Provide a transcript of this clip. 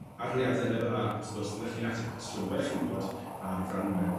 arholiade Lefel A wrth gwrs fyddech chi'n ateb cwestiwn fel 'ych chi'n gwbod a'r Franwen.